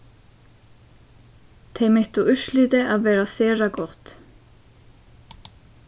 tey mettu úrslitið at vera sera gott